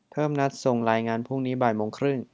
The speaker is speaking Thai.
เพิ่มนัดส่งรายงานพรุ่งนี้บ่ายโมงครึ่ง